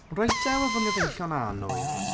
Reit 'te wel fy ngyfeillion annwyl.